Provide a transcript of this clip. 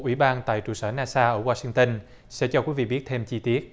ủy ban tại trụ sở na sa ở goa sinh tân sẽ cho quý vị biết thêm chi tiết